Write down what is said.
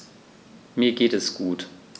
Mir geht es gut.